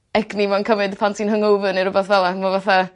pan ti'n hyng over ne' rwbeth fel 'na ch'n wbo' fatha